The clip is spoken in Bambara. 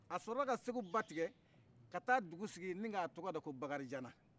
a sɔrɔla ka segu ba tige ka taa dugu sigi nin k'a tɔgɔda ko bakarijanna